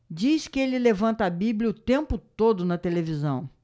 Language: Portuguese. diz que ele levanta a bíblia o tempo todo na televisão